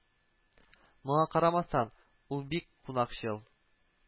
Моңа карамастан, ул бик кунакчыл